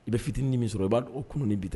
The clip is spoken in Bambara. I bɛ fitinin min sɔrɔ i b'a kun ni bi